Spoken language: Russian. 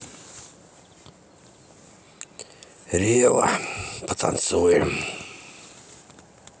рева потанцуем